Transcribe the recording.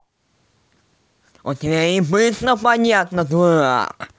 о твери быстро понятно дурак